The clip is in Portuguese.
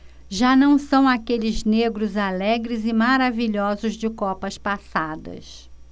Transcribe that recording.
já não são aqueles negros alegres e maravilhosos de copas passadas